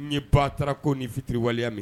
N ba taara ko ni fitiri waleya min